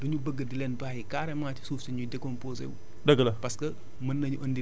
yooyu parfois du ñu bëgg di leen bàyyi carrément ci suuf si ñuy décomposé wu